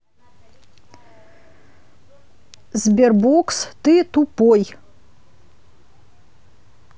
sberbox ты тупой